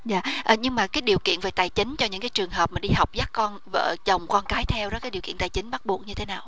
dạ à nhưng mà cái điều kiện về tài chính cho những cái trường hợp mà đi học dắt con vợ chồng con cái theo điều kiện tài chính bắt buộc như thế nào